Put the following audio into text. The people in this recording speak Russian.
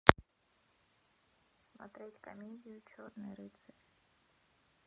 смотреть комедию черный рыцарь